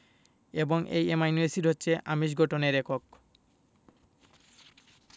এবং এই amino acid হচ্ছে আমিষ গঠনের একক